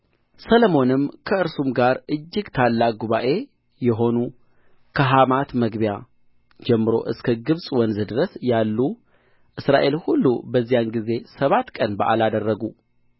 ሰሎሞንም ከእርሱም ጋር እጅግ ታላቅ ጉባኤ የሆኑ ከሐማት መግቢያ ጀምሮ እስከ ግብጽ ወንዝ ድረስ ያሉ እስራኤል ሁሉ በዚያን ጊዜ ሰባት ቀን በዓል አደረጉ